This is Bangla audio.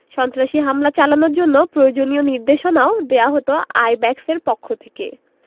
সন্ত্রাসী হামলা চালানোর জন্য প্রয়োজনীয় নির্দেশনাও দেওয়া হতো আইব্যাকসের পক্ষ থেকে